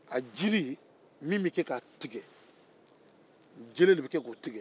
a jiri min bɛ kɛ k'a tigɛ jele de bɛ k'o tigɛ